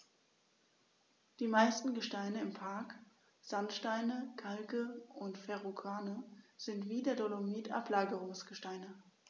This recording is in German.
Die meisten Gesteine im Park – Sandsteine, Kalke und Verrucano – sind wie der Dolomit Ablagerungsgesteine.